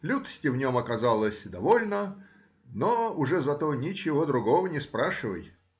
лютости в нем оказалось довольно, но уже зато ничего другого не спрашивай.